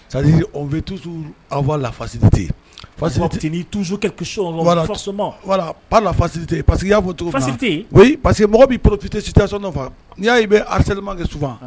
C'est à dire on veut toujours avoir la facilité, parce que il faut toujours avoir quelque chose forcement, voila, par la farcilité, parce que i y'a fɔ cogo in na, facilité, oui parce que mɔgɔ b'i profité situation dɔ fɛ, n'i y'a ye i bɛ harcellement kɛ souvent